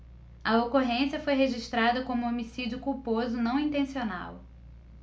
a ocorrência foi registrada como homicídio culposo não intencional